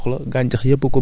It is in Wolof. ci gerte la gën a aay